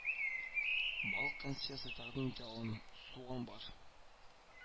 Балык консервысы тәкъдим итә алам, суган бар